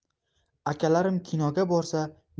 akalarim kinoga borsa